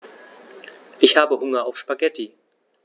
Ich habe Hunger auf Spaghetti.